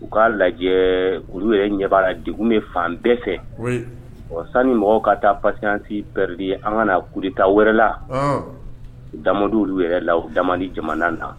U k kaa lajɛ olu yɛrɛ ɲɛbaaradugu bɛ fan bɛɛ fɛ ɔ san ni mɔgɔw ka taa pasisipereri an ka na kuruta wɛrɛ la da amadu yɛrɛ la da jamana na